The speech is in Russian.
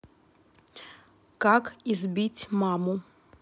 как избить маму